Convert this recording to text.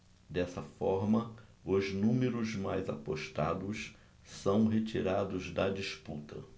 dessa forma os números mais apostados são retirados da disputa